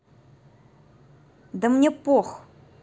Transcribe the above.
да мне пох